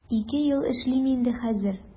Ике ел эшлим инде хәзер.